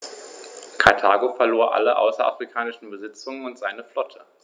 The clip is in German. Karthago verlor alle außerafrikanischen Besitzungen und seine Flotte.